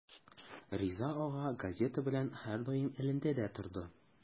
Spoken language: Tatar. Риза ага газета белән һәрдаим элемтәдә торды.